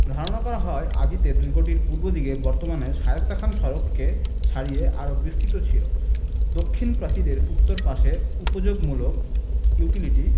ধারণা করা হয় আদিতে দুর্গটি পূর্ব দিকে বর্তমানের শায়েস্তা খান সড়ককে ছাড়িয়ে আরও বিস্তৃত ছিল দক্ষিণ প্রাচীরের উত্তর পাশে উপযোগমূলক ইউটিলিটি